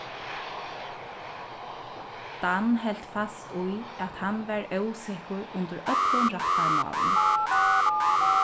dan helt fast í at hann var ósekur undir øllum rættarmálinum